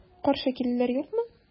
Каршы килүләр юкмы?